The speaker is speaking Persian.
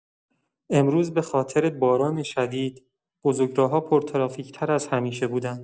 امروز به‌خاطر باران شدید، بزرگراه‌ها پرترافیک‌تر از همیشه بودند.